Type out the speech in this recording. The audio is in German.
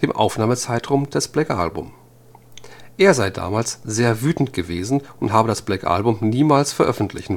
Aufnahmezeitraum des Black Album. Er sei damals sehr wütend gewesen und habe das Black Album niemals veröffentlichen